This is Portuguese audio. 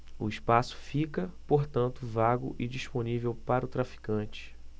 o espaço fica portanto vago e disponível para o traficante